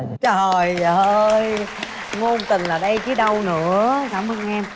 trời ơi ngôn tình là đây chứ đâu nữa cảm ơn em